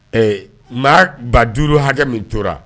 Ɛɛ maa ba duuru hakɛ min tora